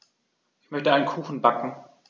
Ich möchte einen Kuchen backen.